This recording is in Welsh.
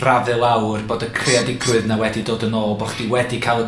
rafu lawr, bod y creadigrwydd 'na wedi dod yn ôl, bo' chdi wedi ca'l y